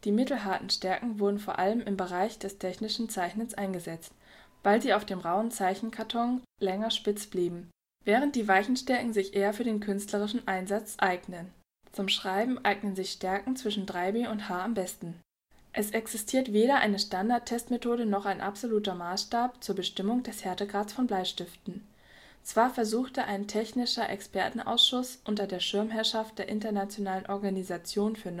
mittelharten Stärken wurden vor allem im Bereich des technischen Zeichnens eingesetzt, weil sie auf dem rauen Zeichenkarton länger spitz blieben, während die weichen Stärken sich eher für den künstlerischen Einsatz eignen. Zum Schreiben eignen sich Stärken zwischen 3B und H am besten. Es existiert weder eine Standard-Testmethode noch ein absoluter Maßstab zur Bestimmung des Härtegrads von Bleistiften. Zwar versuchte ein technischer Expertenausschuss unter der Schirmherrschaft der Internationalen Organisation für